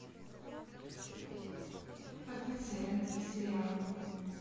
офицеры сериал